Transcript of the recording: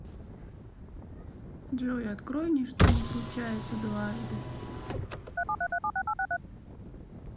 джой открой ничто не случается дважды